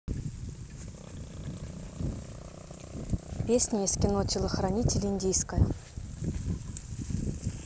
песня из кино телохранитель индийское